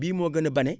bii moo gën a bane